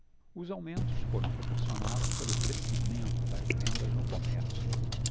os aumentos foram proporcionados pelo crescimento das vendas no comércio